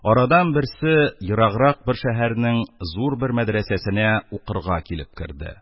Арадан берсе ераграк бер шәһәрнең зур бер мәдрәсәсенә укырга килеп керде.